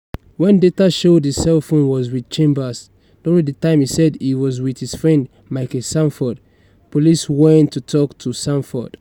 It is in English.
When data showed his cellphone was with Chambers' during the time he said he was with his friend Michael Sanford, police went to talk to Sanford.